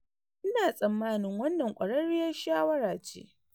"Ina tsammanin wannan kwararriyar shawara ce.